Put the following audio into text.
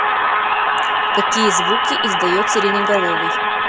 какие звуки издает сиреноголовый